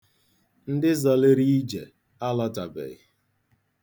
Ndị zọliri ije alọtabeghị.